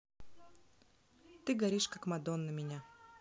ты горишь как madonna меня